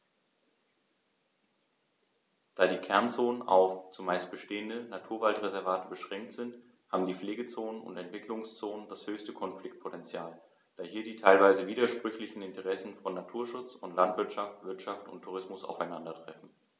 Da die Kernzonen auf – zumeist bestehende – Naturwaldreservate beschränkt sind, haben die Pflegezonen und Entwicklungszonen das höchste Konfliktpotential, da hier die teilweise widersprüchlichen Interessen von Naturschutz und Landwirtschaft, Wirtschaft und Tourismus aufeinandertreffen.